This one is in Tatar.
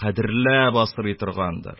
Кадерләп асрый торгандыр..